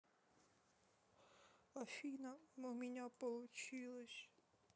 афина у меня не получилось